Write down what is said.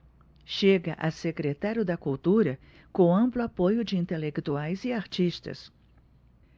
chega a secretário da cultura com amplo apoio de intelectuais e artistas